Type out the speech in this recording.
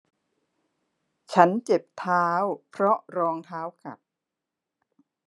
ฉันเจ็บเท้าเพราะรองเท้ากัด